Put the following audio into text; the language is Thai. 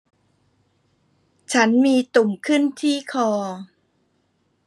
ฉันมีตุ่มขึ้นที่คอ